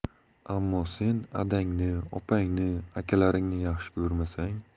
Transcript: ammo sen adangni opangni akalaringni yaxshi ko'rmasang